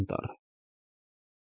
Անտառը։